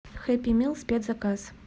хэппи мил спецзаказ